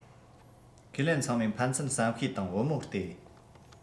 ཁས ལེན ཚང མས ཕན ཚུན བསམ ཤེས དང བུ མོ སྟེ